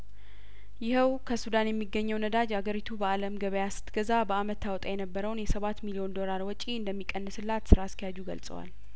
ይኸው ከሱዳን የሚገኘው ነዳጅ አገሪቱ በአለም ገበያስት ገዛ በአመት ታወጣ የነበረውን የሰባት ሚሊዮን ዶ ራል ወጪ እንደሚቀንስላት ስራ አስኪያጁ ገልጸዋል